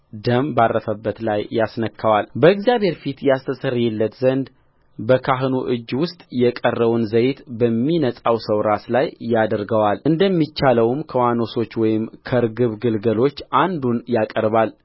ደም ባረፈበት ላይ ያስነካዋልበእግዚአብሔር ፊት ያስተሰርይለት ዘንድ በካህኑ እጅ ውስጥ የቀረውን ዘይት በሚነጻው ሰው ራስ ላይ ያደርገዋልእንደሚቻለው ከዋኖሶች ወይም ከርግብ ግልገሎች አንዱን ያቀርባል